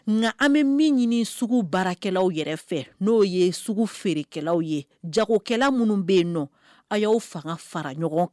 Nka an bɛ min ɲini sugu baarakɛlaw yɛrɛ n'o ye sugu feerekɛlaw ye jagokɛla minnu bɛ yen nɔ aw y'aw fanga fara ɲɔgɔn